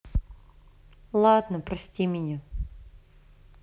ладно прости меня